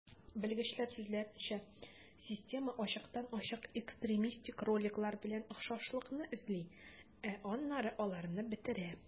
Белгечләр сүзләренчә, система ачыктан-ачык экстремистик роликлар белән охшашлыкны эзли, ә аннары аларны бетерә.